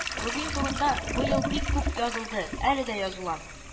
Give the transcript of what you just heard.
“рубин” турында быел бик күп язылды, әле дә языла